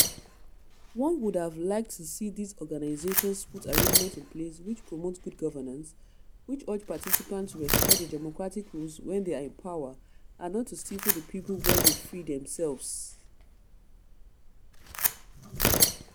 One would have liked to see these organizations put arrangements in place which promote good governance, which urge participants to respect the democratic rules when they are in power and not to stifle the people when they free themselves.